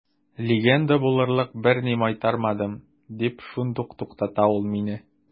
Легенда булырлык берни майтармадым, – дип шундук туктата ул мине.